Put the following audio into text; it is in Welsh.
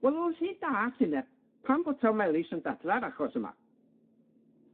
Wel wrth i ni dall hynna, pam bod Tom Ellis yn dadla'r achos yma?